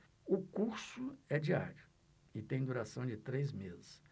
o curso é diário e tem duração de três meses